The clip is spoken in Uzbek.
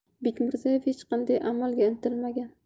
bekmirzaev hech qachon amalga intilmagan